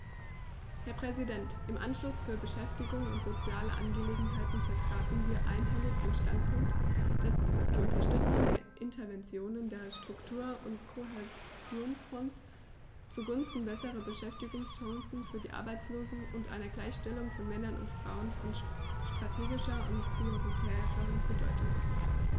Herr Präsident, im Ausschuss für Beschäftigung und soziale Angelegenheiten vertraten wir einhellig den Standpunkt, dass die Unterstützung der Interventionen der Struktur- und Kohäsionsfonds zugunsten besserer Beschäftigungschancen für die Arbeitslosen und einer Gleichstellung von Männern und Frauen von strategischer und prioritärer Bedeutung ist.